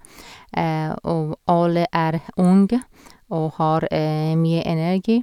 Og alle er unge og har mye energi.